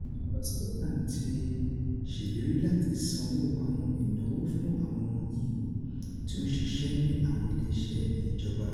Ìjọba Scotland ti ṣèlérí láti sanwó àwọn ìnáwó fún àwọn ọmọ EU tí ó ń ṣiṣẹ́ ní àwọn ilé iṣẹ́ ìjọba.